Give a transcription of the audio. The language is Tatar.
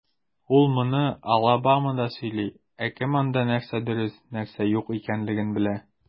Ул моны Алабамада сөйли, ә кем анда, нәрсә дөрес, ә нәрсә юк икәнлеген белә?